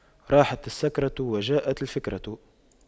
راحت السكرة وجاءت الفكرة